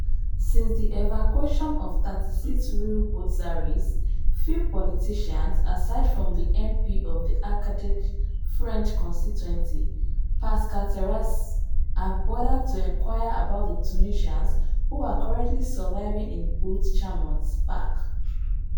Since the evacuation of 36 rue Botzaris, few polititians – aside from the MP of the Ardèche French constituency, Pascal Terrasse – have bothered to enquire about the Tunisians who are currently surviving in Buttes Chaumont Park.